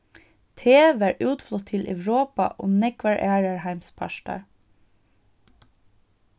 te varð útflutt til europa og nógvar aðrar heimspartar